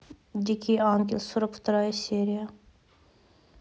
дикий ангел сорок вторая серия